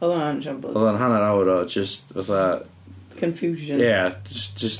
Oedd hwnna yn siambls... Oedd o'n hanner awr o jyst fatha... Confusion. ...Ia jyst jyst...